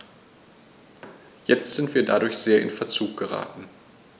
Jetzt sind wir dadurch sehr in Verzug geraten.